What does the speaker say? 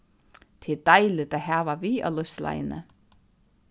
tað er deiligt at hava við á lívsleiðini